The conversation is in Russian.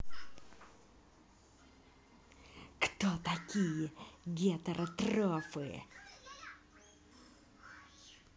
кто такие гетеротрофы